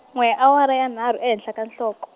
n'we awara ya nharhu e henhla ka nhloko.